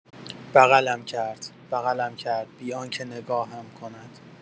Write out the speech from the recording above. بغلم کرد، بغلم کرد، بی‌آنکه نگاهم کند.